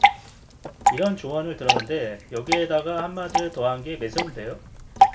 이런 조언을 들었는데 여기에다가 한마디를 더 한 게 매서운데요